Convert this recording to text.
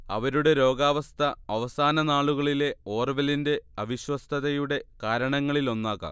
അവരുടെ രോഗാവസ്ഥ അവസാന നാളുകളിലെ ഓർവെലിന്റെ അവിശ്വസ്തതയുടെ കാരണങ്ങളിലൊന്നാകാം